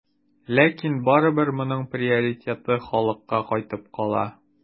Ләкин барыбер моның приоритеты халыкка кайтып кала.